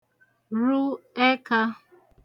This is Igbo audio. rụ̀ ẹkā